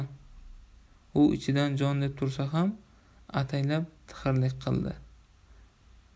u ichida jon deb tursa ham ataylab tixirlik qildi